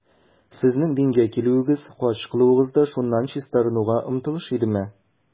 Сезнең дингә килүегез, хаҗ кылуыгыз да шуннан чистарынуга омтылыш идеме?